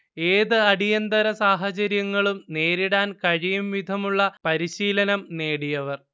ഏത് അടിയന്തര സാഹചര്യങ്ങളും നേരിടാൻ കഴിയുംവിധമുള്ള പരിശീലനം നേടിയവർ